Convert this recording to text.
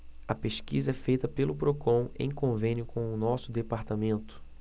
a pesquisa é feita pelo procon em convênio com o diese